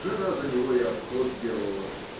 Жена за него и обход делала.